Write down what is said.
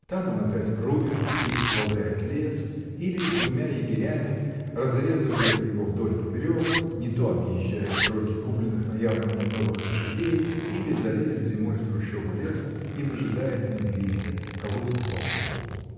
Там он опять рубит и сплавляет лес, или с двумя егерями разрезывает его вдоль и поперек, не то объезжает тройки купленных на ярмарке новых лошадей, или залезет зимой в трущобу леса и выжидает медведя, колотит волков.